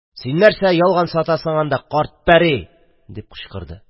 – син нәрсә ялган сатасың анда, карт пәри! – дип кычкырды